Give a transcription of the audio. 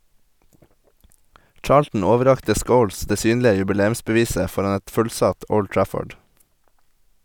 Charlton overrakte Scholes det synlige jubileumsbeviset foran et fullsatt Old Trafford.